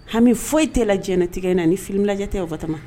Hami foyi tɛtigɛ in na ni fi lajɛjɛ tɛ o